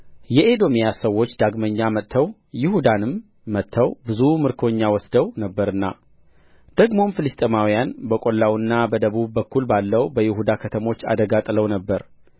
የኤዶምያስ ሰዎች ዳግመኛ መጥተው ይሁዳንም መትተው ብዙ ምርኮኛ ወስደው ነበርና ደግሞም ፍልስጥኤማውያን በቈላውና በደቡብ በኩል ባሉት በይሁዳ ከተሞች አደጋ ጥለው ነበር